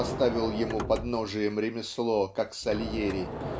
поставил ему подножием ремесло как Сальери